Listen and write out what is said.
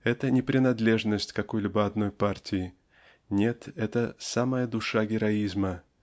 Это -- не принадлежность какой-либо одной партии нет -- это самая душа героизма